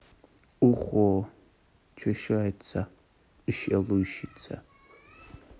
ухо чешется и шелушиться